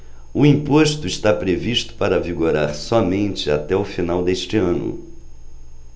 o imposto está previsto para vigorar somente até o final deste ano